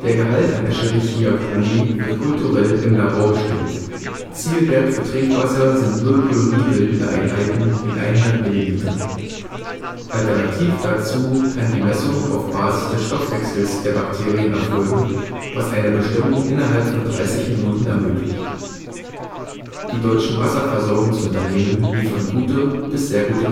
Gehalt an Escherichia coli wird kulturell im Labor bestimmt, Zielwert für Trinkwasser sind 0 KBE in 100 ml (KBE = koloniebildende Einheiten). Alternativ dazu kann die Messung auf Basis des Stoffwechsels der Bakterien erfolgen, was eine Bestimmung innerhalb von 30 Minuten ermöglicht. Die deutschen Wasserversorgungsunternehmen liefern gute bis sehr gute